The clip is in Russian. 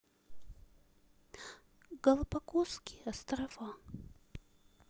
галапагосские острова